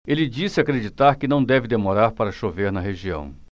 ele disse acreditar que não deve demorar para chover na região